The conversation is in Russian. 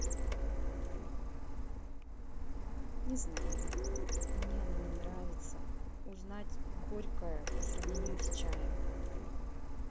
не знаю мне она не нравится узнать горькая по сравнению с чаем